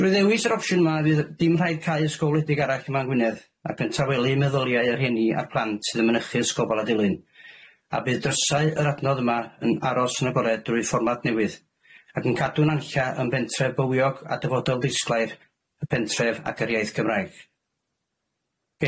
Drwy ddewis yr opsiwn yma fydd dim rhaid cau ysgol wledig arall yma yng Ngwynedd ac yn tawelu meddyliau'r rhieni a'r plant sydd yn mynychu Ysgol Baladeulyn, a bydd drysau yr adnodd yma yn aros yn agored drwy fformat newydd ac yn cadw Nantlla yn bentref bywiog a dyfodol ddisglair y pentref ag yr iaith Cymraeg.